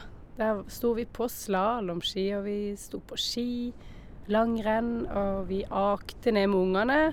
Der v stod vi på slalåmski, og vi stod på ski, langrenn, og vi akte ned med ungene.